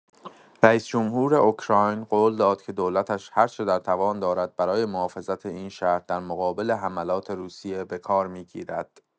رییس‌جمهور اوکراین قول داد که دولتش هر چه در توان دارد برای محافظت این شهر در مقابل حملات روسیه به کار می‌گیرد.